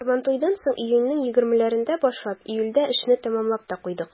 Сабантуйдан соң, июньнең 20-ләрендә башлап, июльдә эшне тәмамлап та куйдык.